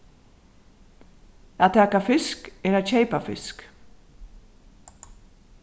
at taka fisk er at keypa fisk